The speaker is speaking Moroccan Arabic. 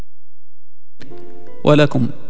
ولكم